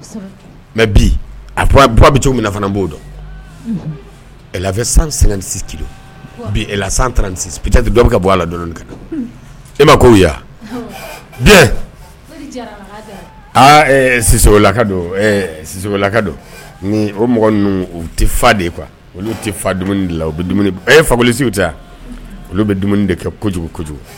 Mɛ bi a bɛ cogo min fana b'o dɔnfɛ san sɛgɛnsi bi san bi dɔ bɛ ka bɔ ala la e ma kolakalaka don o mɔgɔ ninnu u tɛ fa de kuwa olu tɛ dumuni la ye faolisiww ca olu bɛ dumuni de kɛ kojugu kojugu